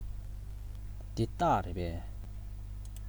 འདི སྟག རེད པས